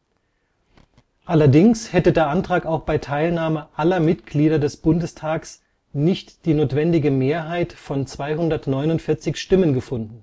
“. Allerdings hätte der Antrag auch bei Teilnahme aller Mitglieder des Bundestags nicht die notwendige Mehrheit (249 Stimmen) gefunden